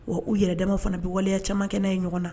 Wa u yɛrɛ dɛmɛ fana bɛ waleya caman kɛnɛ ye ɲɔgɔn na